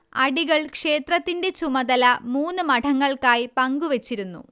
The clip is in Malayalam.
അടികൾ ക്ഷേത്രത്തിൻറെ ചുമതല മൂന്ന് മഠങ്ങൾക്കായി പങ്കുവച്ചിരുന്നു